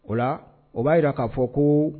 O la o b'a jira k'a fɔ ko